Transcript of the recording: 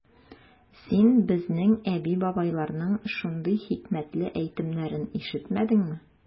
Син безнең әби-бабайларның шундый хикмәтле әйтемнәрен ишетмәдеңме?